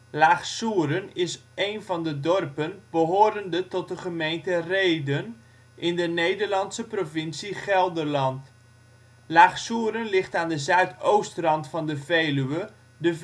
Laag-Soeren is een van de dorpen behorende tot de gemeente Rheden in de Nederlandse provincie Gelderland. Laag-Soeren ligt aan de zuidoostrand van de Veluwe (de